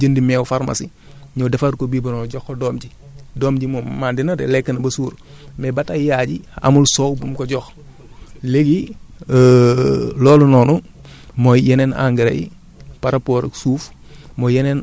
mu bëgg a nàmpal doomam nga dem jëndi meew pharmacie ñëw defar ko biberon jox ko doom ji doom ji moom màndi na de lekk na ba suur mais ba tay yaay ji amul soow bu mu ko jox léegi loolu noonu mooy yeneen engrais yi